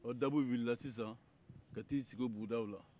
ɔ dabow wulila sisan ka t'i sigi o bugudaw la